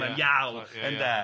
...mae'n iawl, ynde.